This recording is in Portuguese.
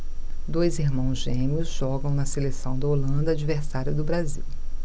dois irmãos gêmeos jogam na seleção da holanda adversária do brasil